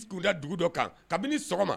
S kunda dugu dɔ kan kabini sɔgɔma